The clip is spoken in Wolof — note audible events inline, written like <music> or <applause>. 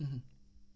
<hesitation> <hesitation>